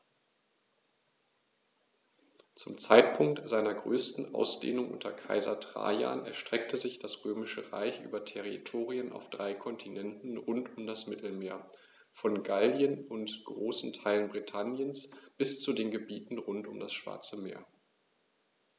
Zum Zeitpunkt seiner größten Ausdehnung unter Kaiser Trajan erstreckte sich das Römische Reich über Territorien auf drei Kontinenten rund um das Mittelmeer: Von Gallien und großen Teilen Britanniens bis zu den Gebieten rund um das Schwarze Meer.